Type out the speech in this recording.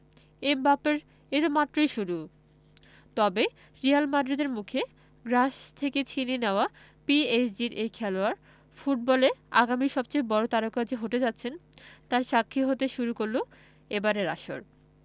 এমবাপ্পের এ তো মাত্রই শুরু তবে রিয়াল মাদ্রিদের মুখে গ্রাস থেকে ছিনিয়ে নেওয়া পিএসজির এই খেলোয়াড় ফুটবলে আগামীর সবচেয়ে বড় তারকা যে হতে যাচ্ছেন তার সাক্ষী হতে শুরু করল এবারের আসর